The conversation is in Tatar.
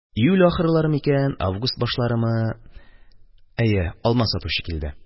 Июль ахырлары микән, август башларымы, әйе, алма сатучы килде.